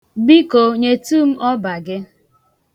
Biko, nyetụ m ọba gị.